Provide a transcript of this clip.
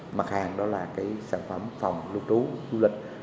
mặt hàng đó là cái sản phẩm phòng lưu trú du lịch